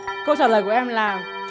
câu trả lời của em là